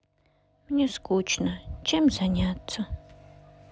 мне скучно чем заняться